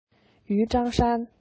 ཡུས ཀྲེང ཧྲེང